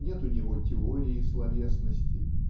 нет у него теории словесности